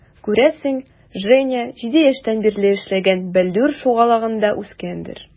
Күрәсең, Женя 7 яшьтән бирле эшләгән "Бәллүр" шугалагында үскәндер.